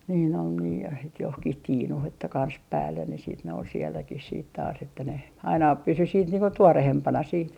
niin oli niin ja heti johonkin tiinuun että kansi päälle ne sitten ne oli sielläkin sitten taas että ne aina pysyi sitten niin kuin tuoreempana sitten